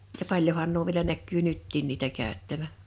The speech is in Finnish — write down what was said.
ja paljonhan nuo vielä näkyy nytkin niitä käyttävän